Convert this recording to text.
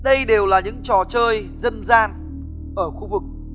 đây đều là những trò chơi dân gian ở khu vực